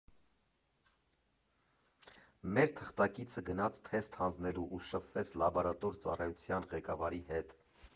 Մեր թղթակիցը գնաց թեստ հանձնելու ու շփվեց լաբորատոր ծառայության ղեկավարի հետ։